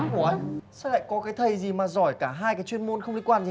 ủ uôi sao lại có cái thầy gì mà giỏi cả hai cái chuyên môn không liên quan